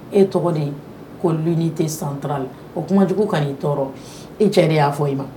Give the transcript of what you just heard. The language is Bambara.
E tɔgɔlen ko lu tɛ santurala o kumajugu ka'i tɔɔrɔ e cɛ de y'a fɔ i ma